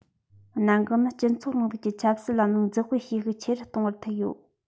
གནད འགག ནི སྤྱི ཚོགས རིང ལུགས ཀྱི ཆབ སྲིད ལམ ལུགས འཛུགས སྤེལ བྱེད ཤུགས ཆེ རུ གཏོང བར ཐུག ཡོད